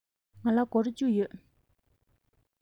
ང ལ སྒོར བཅུ ཡོད